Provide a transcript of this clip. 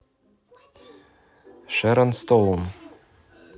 шерон стоун